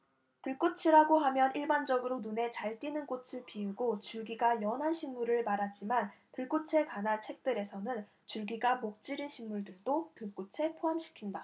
들꽃이라고 하면 일반적으로 눈에 잘 띄는 꽃을 피우고 줄기가 연한 식물을 말하지만 들꽃에 관한 책들에서는 줄기가 목질인 식물들도 들꽃에 포함시킨다